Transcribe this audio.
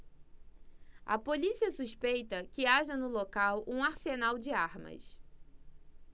a polícia suspeita que haja no local um arsenal de armas